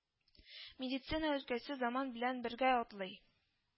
Медицина өлкәсе заман белән бергә атлый